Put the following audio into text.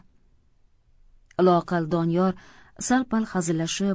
loaqal doniyor sal pal hazillashib